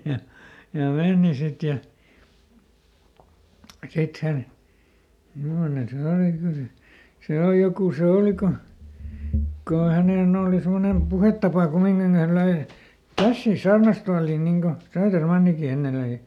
ja ja meni sitten ja sitten hän mimmoinen se oli kyllä se se oli joku se oli kun kun hänen oli semmoinen puhetapa kumminkin että hän löi käsiänsä saarnastuoliin niin kuin Södermankin ennen löi